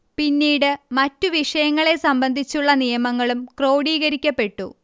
പിന്നീട് മറ്റു വിഷയങ്ങളെ സംബന്ധിച്ചുള്ള നിയമങ്ങളും ക്രോഡീകരിക്കപ്പെട്ടു